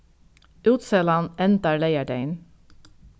útsølan endar leygardagin